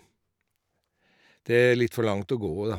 Det er litt for langt å gå, da.